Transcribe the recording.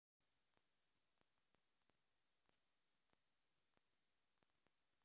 кокококотики ютуб